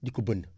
di ko bënn